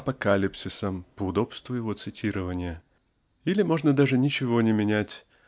Апокалипсисом (по удобству его цитирования) или можно даже ничего не менять